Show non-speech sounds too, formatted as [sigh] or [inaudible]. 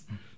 [hesitation] [hesitation]